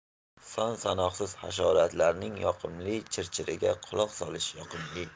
son sanoqsiz hasharotlarning yoqimli chirchiriga quloq solish yoqimli